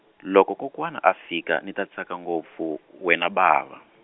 loko kokwana a fika ni ta tsaka ngopfu, wena bava.